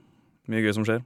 Mye gøy som skjer.